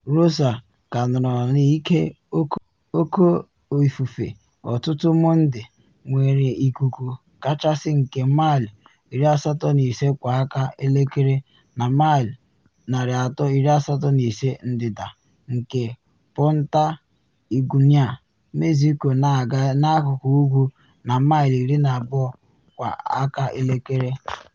Rosa, ka nọrọ n’ike oke ifufe ụtụtụ Mọnde nwere ikuku kachasị nke maịlụ 85 kwa aka elekere, nọ maịlụ 385 ndịda nke Punta Eugenia, Mexico na aga n’akụkụ ugwu na maịlụ 12 kwa aka elekere.